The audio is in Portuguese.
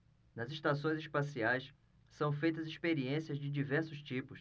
nas estações espaciais são feitas experiências de diversos tipos